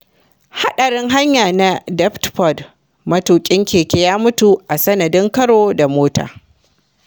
Haɗarin hanya na Deptford : Matukin keke ya mutu a sanadin karo da mota